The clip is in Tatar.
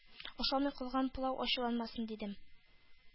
Ашалмый калган пылау ачуланмасын, дидем.